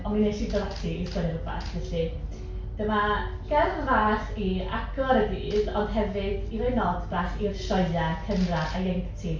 Ond mi wnes i ddod ati i ysgrifennu rhywbeth, felly dyma gerdd fach i agor y dydd, ond hefyd i roi nod bach i'r sioeau cynradd ac ieuenctid.